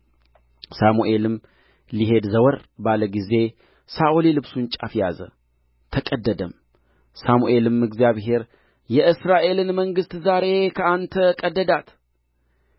ሳሙኤልም ሊሄድ ዘወር ባለ ጊዜ ሳኦል የልብሱን ጫፍ ያዘ ተቀደደም ሳሙኤልም እግዚአብሔር የእስራኤልን መንግሥት ዛሬ ከአንተ ቀደዳት